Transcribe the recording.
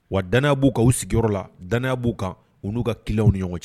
Wa dan b'u ka u sigiyɔrɔ la danya b'u kan u n'u ka kiw ni ɲɔgɔn cɛ